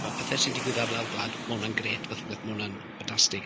Ma' pethe sy'n digwydd ar lawr gwlad, ma hwnna'n grêt fath o beth, ma' hwnna'n ffantastig.